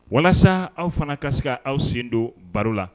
Walasa aw fana kas se aw sen don baro la